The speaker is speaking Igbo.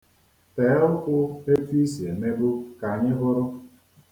Tee ụkwụ etu i si emebu, ka anyị hụrụ.